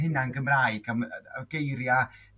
hyna yn Gymraeg a geiria'